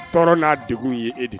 Tɔɔrɔ n'a de yee de